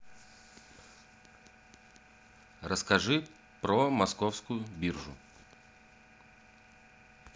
расскажи про московскую биржу